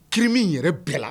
Kiri min yɛrɛ bɛɛ la